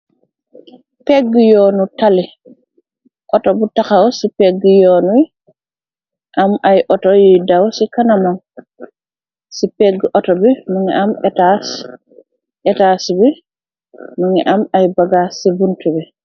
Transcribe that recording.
Pégg yoonu tali, ato bu taxaw ci pégg yoon wi, am ay auto yuy daw ci kanamam. Ci pégg ato bi mungi am étaas, etaas bi mungi am ay bagaas ci buntu bi.